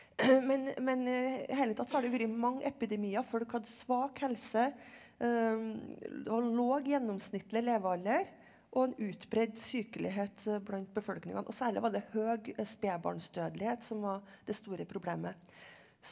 men men i det hele tatt så har det jo vært mange epidemier folk hadde svak helse lav gjennomsnittlig levealder og en utbredd sykelighet blant befolkningen og særlig var det høg spedbarnsdødelighet som var det store problemet.